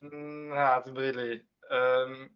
Na dim rili, yym.